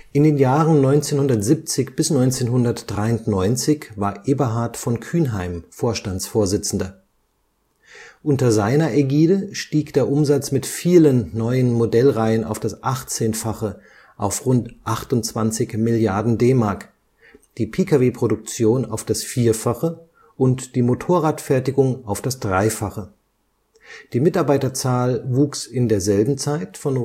In den Jahren 1970 bis 1993 war Eberhard von Kuenheim Vorstandsvorsitzender. Unter seiner Ägide stieg der Umsatz mit vielen neuen Modellreihen auf das 18-fache auf rund 28 Milliarden DM, die Pkw-Produktion auf das Vierfache und die Motorradfertigung auf das Dreifache. Die Mitarbeiterzahl wuchs in derselben Zeit von